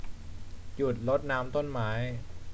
หยุดรดน้ำต้นไม้